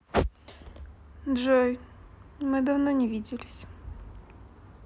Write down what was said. джой мы давно не виделись